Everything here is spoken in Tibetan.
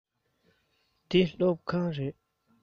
འདི སློབ ཁང རེད